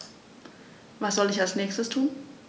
Was soll ich als Nächstes tun?